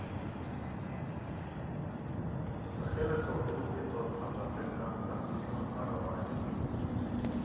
Ծխելը թողնելուց հետո ընդհանրապես դարձա մի անկառավարելի երիտթուրք։